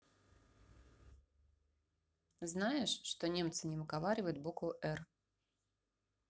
знаешь что немцы не выговаривают букву р